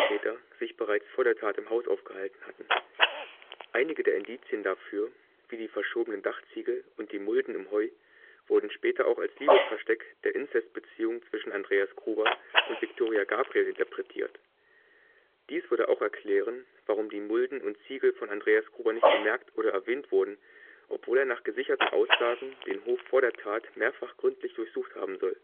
die Täter sich bereits vor der Tat im Haus aufgehalten hatten. Einige der Indizien dafür – wie die verschobenen Dachziegel und die Mulden im Heu – wurden später auch als Liebesversteck der Inzestbeziehung zwischen Andreas Gruber und Viktoria Gabriel interpretiert. Dies würde auch erklären, warum die Mulden und Ziegel von Andreas Gruber nicht bemerkt oder erwähnt wurden, obwohl er nach gesicherten Aussagen den Hof vor der Tat mehrfach gründlich durchsucht haben soll